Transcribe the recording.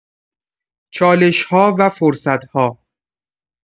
چالش‌ها و فرصت‌ها